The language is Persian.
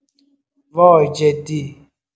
وای جدی